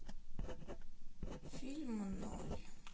фильм ноль